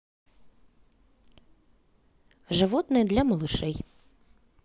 животные для малышей